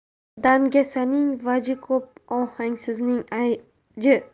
dangasaning vaji ko'p ohangsizning ayji